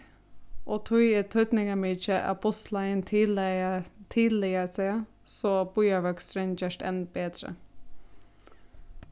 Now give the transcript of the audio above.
og tí er týdningarmikið at bussleiðin tillagar seg so býarvøksturin gerst enn betri